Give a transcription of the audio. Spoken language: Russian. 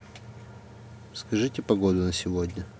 скажите погоду на сегодня